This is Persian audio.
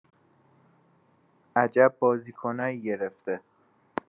عجب بازیکنایی گرفته